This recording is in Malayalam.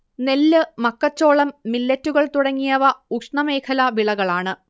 നെല്ല് മക്കച്ചോളം മില്ലെറ്റുകൾ തുടങ്ങിയവ ഉഷ്ണമേഖലാ വിളകളാണ്